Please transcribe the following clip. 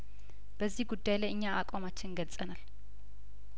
በዚህ ጉዳይላይእኛ አቋማችንን ገልጸናል